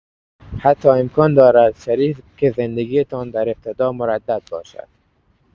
حتی امکان دارد شریک زندگی‌تان در ابتدا مردد باشد